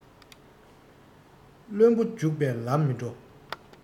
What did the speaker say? བློན པོ འཇུག པའི ལམ མི འགྲོ